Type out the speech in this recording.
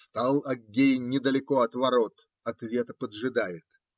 Стал Аггей недалеко от ворот, ответа поджидает.